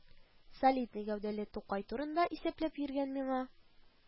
Солидный гәүдәле Тукай турында исәпләп йөргән миңа